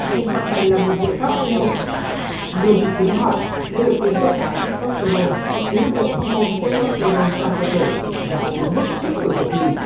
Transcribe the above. hình phạt này là một liệu pháp hóc môn người bị thiến hóa học sẽ được tiêm chất kháng tét sóc tê ron khiến nồng độ hóc môn tét sốc tê ron trong cơ thể giảm xuống mức trước tuổi dậy thì